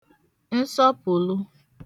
nsọpụ̀lụ